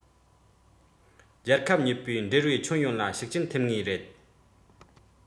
རྒྱལ ཁབ གཉིས པོའི འབྲེལ བའི ཁྱོན ཡོངས ལ ཤུགས རྐྱེན ཐེབས ངེས རེད